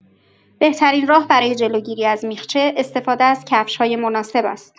بهترین راه برای جلوگیری از میخچه، استفاده از کفش‌های مناسب است.